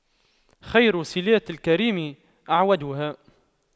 خير صِلاتِ الكريم أَعْوَدُها